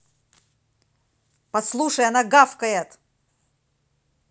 послушай она гавкает